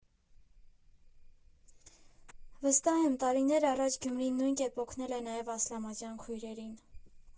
Վստահ եմ, տարիներ առաջ Գյումրին նույն կերպ օգնել է նաև Ասլամազյան քույրերին։